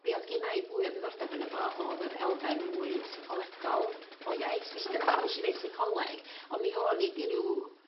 be o'dd gennai fwy o ddiddordeb yno fo o'dd yr elfen mwy seicolegol o iaith neud seicoleg on' mi o'n 'di ryw